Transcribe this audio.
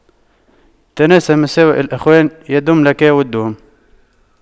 تناس مساوئ الإخوان يدم لك وُدُّهُمْ